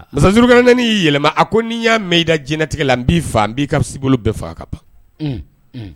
Masa surukrɛnin ni y'i yɛlɛma a n'i y'a mɛn' i da jinɛinɛtigɛ la n b'i faa n b'i ka bolo bɛɛ faga ka ban